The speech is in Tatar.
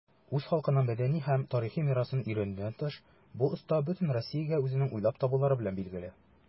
Үз халкының мәдәни һәм тарихи мирасын өйрәнүдән тыш, бу оста бөтен Россиягә үзенең уйлап табулары белән билгеле.